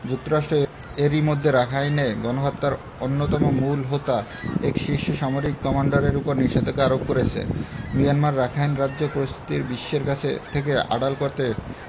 যুক্তরাষ্ট্র এরই মধ্যে রাখাইনে গণহত্যার অন্যতম মূল হোতা এক শীর্ষ সামরিক কমান্ডারের ওপর নিষেধাজ্ঞা আরোপ করেছে মিয়ানমার রাখাইন রাজ্য পরিস্থিতি বিশ্বের কাছে থেকে আড়াল করতে